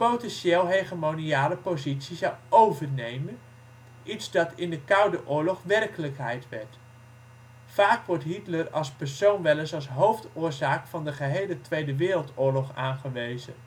potentieel hegemoniale positie zou overnemen, iets dat in de Koude Oorlog werkelijkheid werd. Vaak wordt Hitler als persoon wel eens als hoofdoorzaak voor de gehele Tweede Wereldoorlog aangewezen